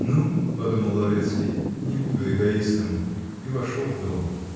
"Ну, -- подумал Лаврецкий, -- не буду эгоистом", и вошел в дом.